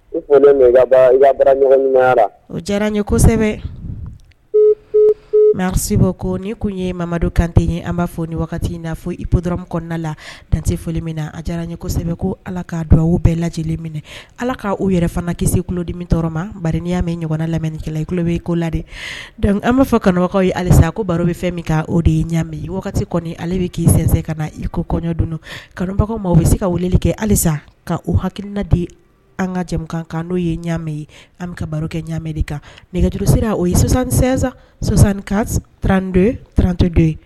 O diyara ye kosɛbɛ nkasibo ko ni tun ye mamadu kante ye an b'a fɔ ni wagati in'afɔ ikoo dɔrɔnmu kɔnɔna la dante foli min na a diyara ɲɛ kosɛbɛ ko ala k ka dugawu bɛɛ lajɛ lajɛlen minɛ ala k' u yɛrɛ fana ki kulodimi tɔɔrɔ ma baya mɛn ɲɔgɔnna lamɛnnikɛla i tulolo ye ko la dɛ an' fɔ kanubagawkaw ye halisa ko baro bɛ fɛn min ka o de ye ɲamɛ wagati kɔni ale bɛ ki sinsɛn ka na iko kɔɲɔ dun kanubagaw ma u bɛ se ka wulili kɛ halisa ka u hakilina de an ka jamana kan kan n'o ye ɲamɛ ye an bɛ ka baro kɛ ɲamɛ de kan nɛgɛjuru sera o ye sɔsan2san sɔsan karantorantoto ye